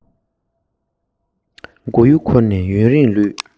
མགོ ཡུ འཁོར ནས ཡུན རིང ལུས